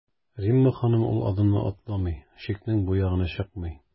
Римма ханым ул адымны атламый, чикнең бу ягына чыкмый.